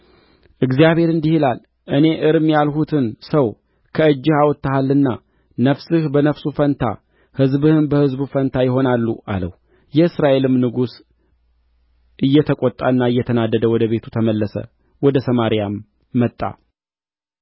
እግዚአብሔር እንዲህ ይላል እኔ እርም ያልሁትን ሰው ከእጅህ አውጥተሃልና ነፍስህ በነፍሱ ፋንታ ሕዝብህም በሕዝቡ ፋንታ ይሆናሉ አለው እስራኤልም ንጉሥ እየተቈጣና እየተናደደ ወደ ቤቱ ተመለሰ ወደ ሰማርያም መጣ